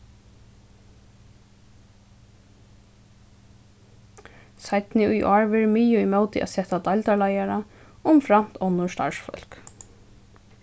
seinni í ár verður miðað ímóti at seta deildarleiðara umframt onnur starvsfólk